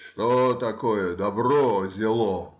— Что такое: добро зело?